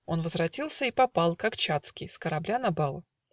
Он возвратился и попал, Как Чацкий, с корабля на бал.